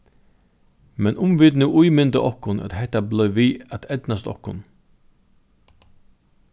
men um vit nú ímynda okkum at hetta bleiv við at eydnast okkum